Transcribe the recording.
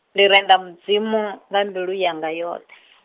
ndi renda Mudzimu, nga mbilu yanga yoṱhe .